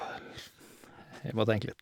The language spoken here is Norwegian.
Jeg må tenke litt.